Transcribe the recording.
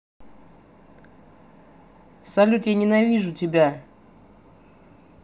салют я ненавижу тебя